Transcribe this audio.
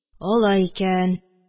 Алай икән.